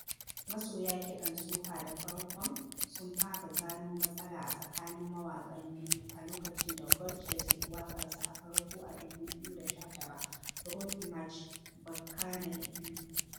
Masoya kiɗan soca da farkon sun fara gano matsala a tsakanin mawaƙan biyu a lokacin da George ya saki waƙarsa ta farko a 2019, "Road March Bacchanal 2".